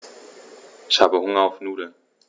Ich habe Hunger auf Nudeln.